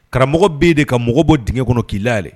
Karamɔgɔ bɛ de ka mɔgɔ bɔ dgɛ kɔnɔ k'ila ye